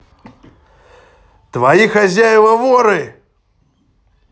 твои хозяева воры